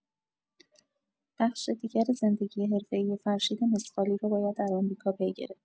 بخش دیگر زندگی حرفه‌ای فرشید مثقالی را باید در آمریکا پی گرفت.